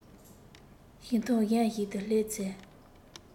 ཞིང ཐང གཞན ཞིག ཏུ སླེབས ཚེ